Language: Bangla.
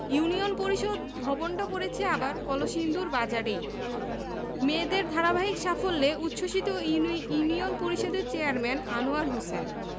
ইউনিয়ন পরিষদ ভবনটা পড়েছে আবার কলসিন্দুর বাজারেই মেয়েদের ধারাবাহিক সাফল্যে উচ্ছ্বসিত ইউনিয়ন পরিষদের চেয়ারম্যান আনোয়ার হোসেন